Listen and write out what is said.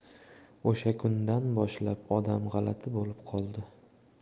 o'sha kundan boshlab onam g'alati bo'lib qoldi